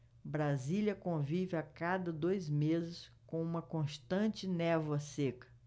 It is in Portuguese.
brasília convive há quase dois meses com uma constante névoa seca